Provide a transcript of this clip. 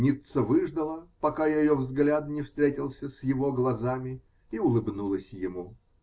Ницца выждала, пока ее взгляд не встретился с его глазами, и улыбнулась ему.